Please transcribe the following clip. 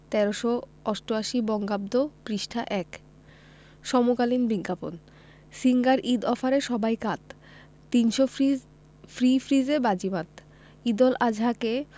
১৩৮৮ বঙ্গাব্দ পৃষ্ঠা – ১ সমকালীন বিজ্ঞাপন সিঙ্গার ঈদ অফারে সবাই কাত ৩০০ ফ্রি ফ্রিজে বাজিমাত ঈদুল আজহাকে